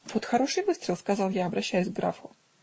-- Вот хороший выстрел, -- сказал я, обращаясь к графу.